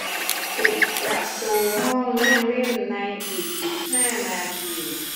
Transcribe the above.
ปิดประตูห้องนั่งเล่นในอีกสิบห้านาที